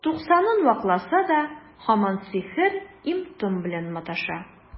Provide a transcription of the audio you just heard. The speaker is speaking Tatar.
Туксанын вакласа да, һаман сихер, им-том белән маташа.